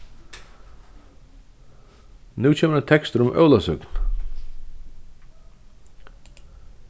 nú kemur ein tekstur um ólavsøkuna